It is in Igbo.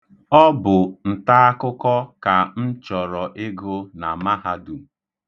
Ọ bụ ntaakụkọ ka m chọrọ ịgụ na mahadum.